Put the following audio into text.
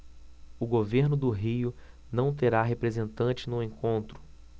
o governo do rio não terá representante no encontro